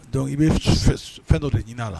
Dɔnkuc i bɛ fɛn dɔ de ɲin la